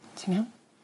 Ti'n iawn?